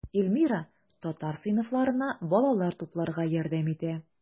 Эльмира татар сыйныфларына балалар тупларга ярдәм итә.